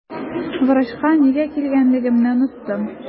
Врачка нигә килгәнлегемне оныттым.